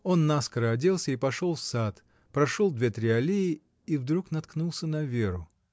Он наскоро оделся и пошел в сад, прошел две-три аллеи и — вдруг наткнулся на Веру.